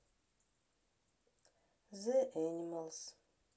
зэ энималс